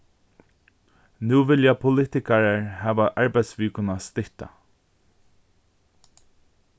nú vilja politikarar hava arbeiðsvikuna stytta